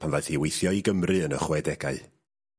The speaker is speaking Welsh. ...pan ddaeth i weithio i Gymru yn y chwedegau.